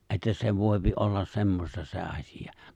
että se voi olla semmoista se asia